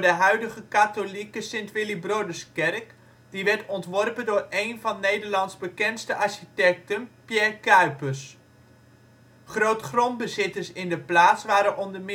huidige katholieke Sint Willibrorduskerk die werd ontworpen door een van Nederlands bekendste architecten; Pierre Cuypers. Grootgrondbezitters in de plaats waren onder